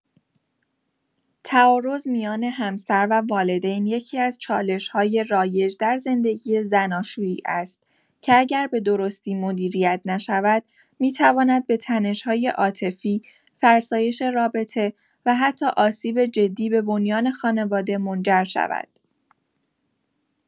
تعارض میان همسر و والدین یکی‌از چالش‌های رایج در زندگی زناشویی است که اگر به‌درستی مدیریت نشود، می‌تواند به تنش‌های عاطفی، فرسایش رابطه و حتی آسیب جدی به بنیان خانواده منجر شود.